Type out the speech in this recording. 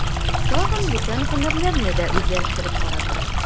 Тагын бүтән һөнәрләрне дә үзләштереп карады.